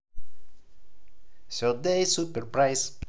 third day супер прайс